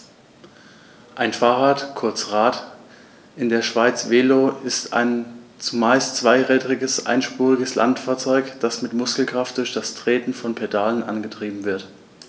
Ein Fahrrad, kurz Rad, in der Schweiz Velo, ist ein zumeist zweirädriges einspuriges Landfahrzeug, das mit Muskelkraft durch das Treten von Pedalen angetrieben wird.